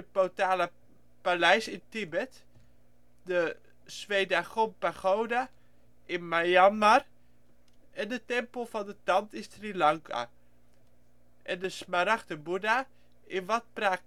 Potala Paleis in Tibet, de Schwedagon Pagoda in Myanmar, de Tempel van de Tand in Sri Lanka en de Smaragden Boeddha in Wat Phra